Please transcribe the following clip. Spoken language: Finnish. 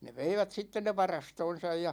ne veivät sitten ne varastoonsa ja